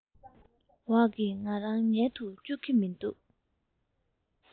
འོག གི ང རང ཉལ དུ བཅུག གི མི འདུག